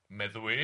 meddwi.